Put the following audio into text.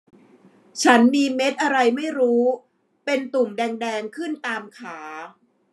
ฉันมีเม็ดอะไรไม่รู้เป็นตุ่มแดงแดงขึ้นตามขา